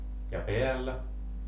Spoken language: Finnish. ja päällä